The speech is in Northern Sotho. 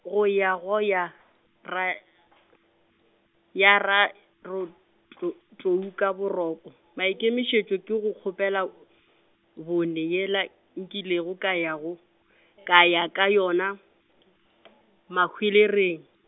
go ya go ya , ra , ya ra ro- tro- trou- ka boroko, maikemišetšo ke go kgopela, bone yela, nkilego ka ya go , ka ya ka yona , Mahwelereng.